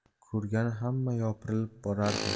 ko'rgani hamma yopirilib borardi